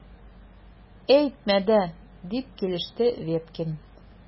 Әйтмә дә! - дип килеште Веткин.